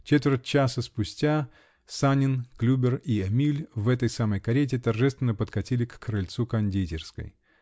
Четверть часа спустя Санин, Клюбер и Эмиль в этой самой карете торжественно подкатили к крыльцу кондитерской.